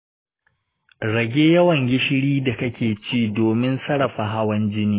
rage yawan gishiri da kake ci domin sarrafa hawan jini.